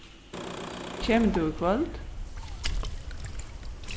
kemur tú í kvøld